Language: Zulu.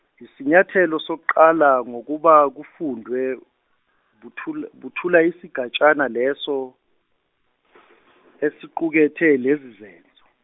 yisinyathelo sokuqala ngukuba kufundwe buthu- buthule isigatshana leso , esiqukethe lezi zenzo.